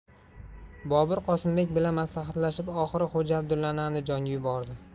bobur qosimbek bilan maslahatlashib oxiri xo'ja abdullani andijonga yubordi